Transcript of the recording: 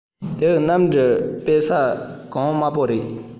དེའི གནམ གྲུའི སྤ སེ གོང དམའ པོ རེད